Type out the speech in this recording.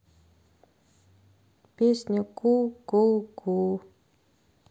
песня ку ку ку